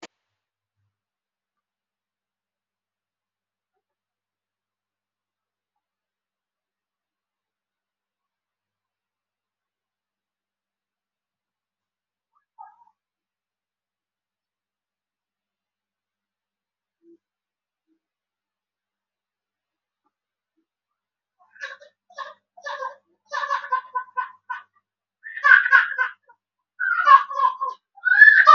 Meeshaan waa tukaan weyn waxaa yaalo alaabo fara badan sida cabitaanno daawooyin iyo kuwa kale oo fara badan